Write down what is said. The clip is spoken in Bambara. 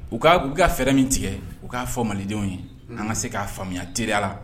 U ka u b'i ka fɛrɛ min tigɛ u k'a fɔ malidenw ye an ka se k'a faamuya teriya la